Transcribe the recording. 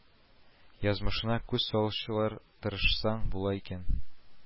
Язмышына күз салучылар тырышсаң, була икән